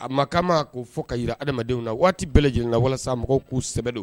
A ma kama ma ko fɔ ka yira adamadenw na waati bɛɛ lajɛlen ka walasa mɔgɔw ku sɛbɛ don